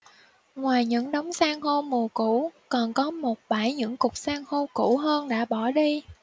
ngoài những đống san hô mùa cũ còn có một bãi những cục san hô cũ hơn đã bỏ đi